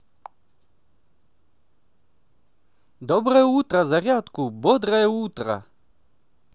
доброе утро зарядку бодрое утро